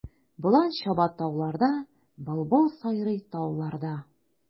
Болан чаба тауларда, былбыл сайрый талларда.